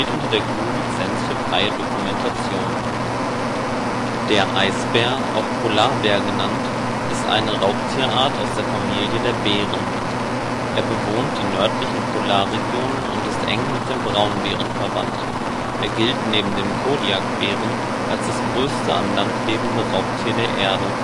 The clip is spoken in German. unter der GNU Lizenz für freie Dokumentation. Eisbär Eisbär (Ursus maritimus) Vorlage:Taxonomy Vorlage:Superordo: Laurasiatheria Vorlage:Ordo: Raubtiere (Carnivora) Vorlage:Superfamilia: Hundeartige (Canoidea) Vorlage:Familia: Bären (Ursidae) Vorlage:Genus: Ursus Vorlage:Species: Eisbär Wissenschaftlicher Name Ursus maritimus Phipps, 1774 Der Eisbär, auch Polarbär genannt (Ursus maritimus) ist eine Raubtierart aus der Familie der Bären (Ursidae). Er bewohnt die nördlichen Polarregionen und ist eng mit dem Braunbären verwandt. Er gilt neben dem Kodiakbären als das größte an Land lebende Raubtier der Erde